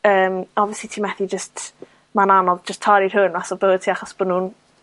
yym obviously ti methu jyst... Ma'n anodd jyst torri rhywun mas o bywyd ti achos bo' nw'n bo' nw'n